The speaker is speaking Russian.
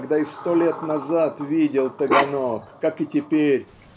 когда и сто лет назад видел Таганок как и теперь